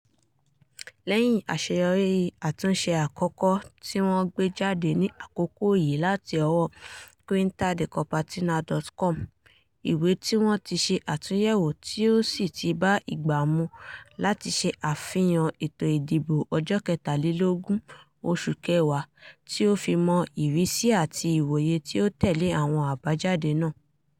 Lẹ́yìn àṣeyọrí àtúnṣe àkọ́kọ́, tí wọ́n gbé jáde ní àkókò yìí láti ọwọ́ quintadicopertina.com, ìwé tí wọ́n ti ṣe àtúnyẹ́wò tí ó sì ti bá ìgbà mú láti ṣe àfihàn ètò ìdìbò ọjọ́ kẹtàlélógún oṣù kẹwàá, tí ó fi mọ́ ìrísí àti ìwòye tí ó tẹ́lẹ̀ àwọn àbájáde náà.